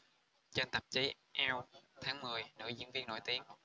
trên tạp chí elle tháng mười nữ diễn viên nổi tiếng